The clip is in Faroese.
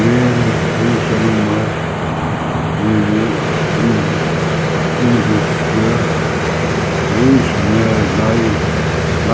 vel húsanummar míni yndisstøð vís mær leið